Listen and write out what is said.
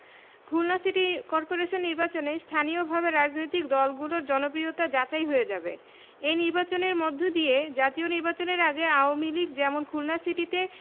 Khulna city corporation নির্বাচনে স্থানীয়ভাবে রাজনৈতিক দলগুলোর জনপ্রিয়তা যাচাই হয়ে যাবে এই নির্বাচনের মধ্য দিয়ে জাতীয় নির্বাচনের আগে আওয়ামী লীগ যেমন খুলনা সিটিতে